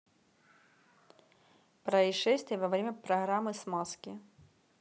происшествие во время программы смазки